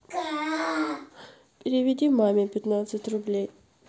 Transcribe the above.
переведи маме пятнадцать рублей